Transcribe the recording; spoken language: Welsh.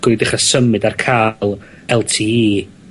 gown ni dechra symud a ca'l el tee eee